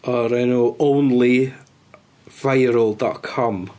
O'r enw only viral dot com.